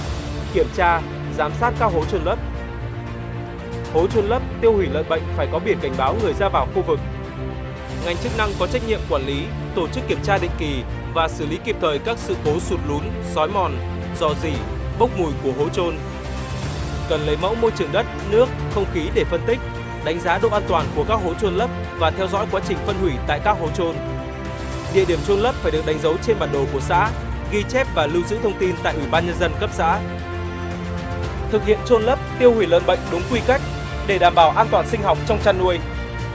kiểm tra giám sát các hố chôn lấp hố chôn lấp tiêu hủy lợn bệnh phải có biển cảnh báo người ra vào khu vực ngành chức năng có trách nhiệm quản lý tổ chức kiểm tra định kỳ và xử lý kịp thời các sự cố sụt lún xói mòn rò rỉ bốc mùi của hố chôn cần lấy mẫu môi trường đất nước không khí để phân tích đánh giá độ an toàn của các hố chôn lấp và theo dõi quá trình phân hủy tại các hố chôn địa điểm chôn lấp phải được đánh dấu trên bản đồ của xã ghi chép và lưu trữ thông tin tại ủy ban nhân dân cấp xã thực hiện chôn lấp tiêu hủy lợn bệnh đúng quy cách để đảm bảo an toàn sinh học trong chăn nuôi